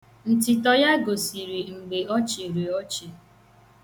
Ntịtọ ya gosiri mgbe ọ chịrị ọchị.